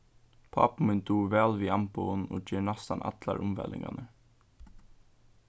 pápi mín dugir væl við amboðum og ger næstan allar umvælingarnar